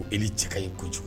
Ko Eli cɛ ka ɲi kojugu